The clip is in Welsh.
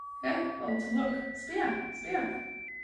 Ia? Fel to look. Sbïa, sbïa.